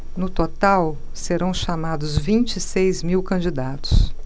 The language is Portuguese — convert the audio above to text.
no total serão chamados vinte e seis mil candidatos